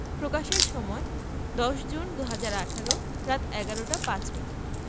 প্রকাশের সময় ১০ জুন ২০১৮ রাত ১১টা ৫ মিনিট